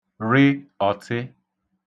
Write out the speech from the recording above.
rị òtị